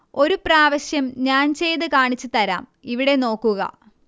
ഒരു പ്രാവശ്യം ഞാന് ചെയ്ത് കാണിച്ചു തരാം ഇവിടെ നോക്കുക